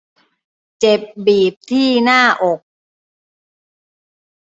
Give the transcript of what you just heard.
เจ็บบีบที่หน้าอก